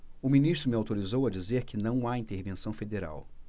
o ministro me autorizou a dizer que não há intervenção federal